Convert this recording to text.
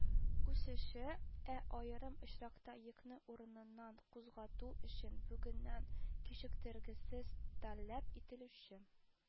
Үсеше, ә аерым очракта йөкне урыныннан кузгату өчен бүгеннән кичектергесез таләп ителүче